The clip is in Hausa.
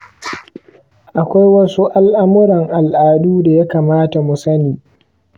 akwai wasu al’amuran al’adu da ya kamata mu sani?